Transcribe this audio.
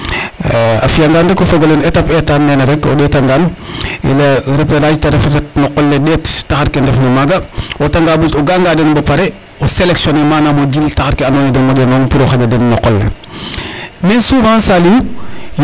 A fi'angaan rek o fog ole étape eetan nene o ɗeetangaan i laya repérage ta ref ret no qol lee ɗeet taxar ke ndefna maaga o ga'anga den bo pare o selectionner. Manaaam o jil taxar ke andoona yee den moƴanong pour xaƴa den no qol le .